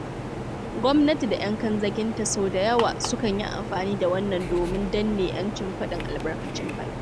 Gwamnati da 'yan kanzaginta sau da yawa sukan yi amfani da wannan domin danne 'yancin faɗin albarkacin baki.